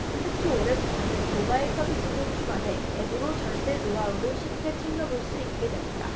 특히 올해부터는 모바일 서비스도 추가돼 앱으로 절세 노하우를 손쉽게 챙겨볼 수 있게 됐다